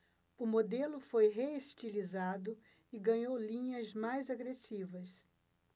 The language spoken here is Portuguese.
o modelo foi reestilizado e ganhou linhas mais agressivas